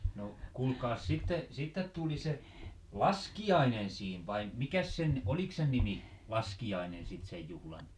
no kuulkaas sitten sitten tuli se laskiainen siinä vai mikäs sen olikos sen nimi laskiainen sitten sen juhlan